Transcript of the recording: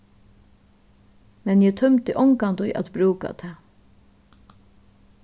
men eg tímdi ongantíð at brúka tað